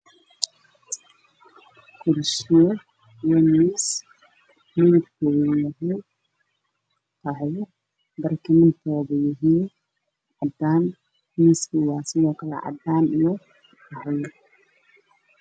Waa kuraas iyo miisaas midabkoodu yahay dahabi